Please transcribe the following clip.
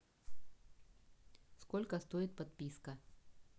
сколько стоит подписка